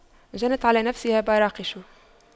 جنت على نفسها براقش